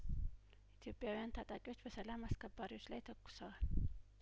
ኢትዮጵያውያን ታጣቂዎች በሰላም አስከባሪዎች ላይ ተኩሰዋል